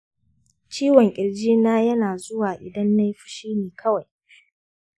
ciwon ƙirji na yana zuwa idan nayi fushi ne kawai.